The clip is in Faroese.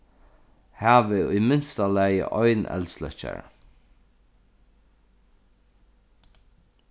havið í minsta lagi ein eldsløkkjara